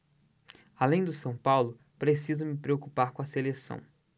além do são paulo preciso me preocupar com a seleção